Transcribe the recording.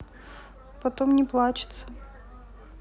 потом не плачется